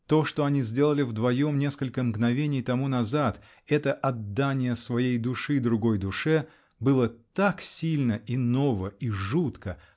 То, что они сделали вдвоем, несколько мгновений тому назад -- это отдание своей души другой душе, -- было так сильно, и ново, и жутко